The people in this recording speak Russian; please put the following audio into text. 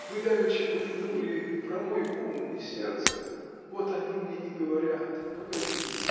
Вы давеча помянули про мой ум и сердце; вот они мне и говорят: погоди!